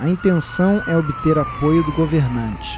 a intenção é obter apoio do governante